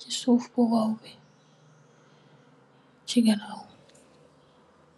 si cuf bu wow bi si ganow.